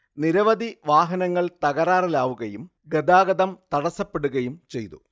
നിരവധി വാഹനങ്ങൾ തകരാറിലാവുകയും ഗതാഗതം തടസപ്പെടുകയും ചെയ്തു